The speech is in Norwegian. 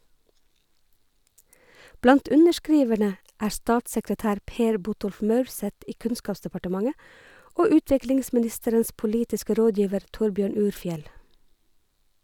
Blant underskriverne er statssekretær Per Botolf Maurseth i Kunnskapsdepartementet og utviklingsministerens politiske rådgiver Torbjørn Urfjell.